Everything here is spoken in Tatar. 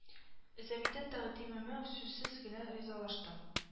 Зәбидә тәкъдимемә сүзсез генә ризалашты